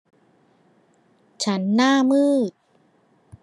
ฉันหน้ามืด